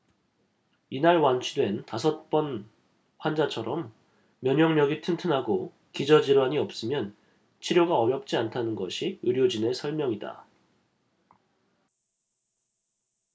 이날 완치된 다섯 번 환자처럼 면역력이 튼튼하고 기저 질환이 없으면 치료가 어렵지 않다는 것이 의료진의 설명이다